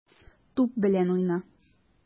Туп белән уйна.